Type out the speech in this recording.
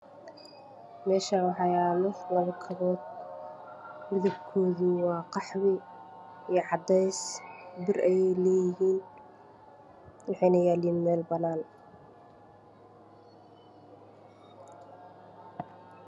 Meeshaan waxaa yaalo labo kabbood. midabkooda waa qaxwe iyo cadees, bir ayay leeyihiin, waxayna yaaliin meel bannaan.